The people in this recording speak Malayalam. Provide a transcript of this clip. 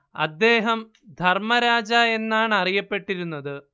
അദ്ദേഹം ധർമ്മരാജ എന്നാണറിയപ്പെട്ടിരുന്നത്